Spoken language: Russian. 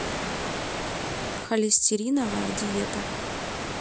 холестериновая диета